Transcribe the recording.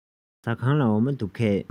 ཟ ཁང ལ འོ མ འདུག གས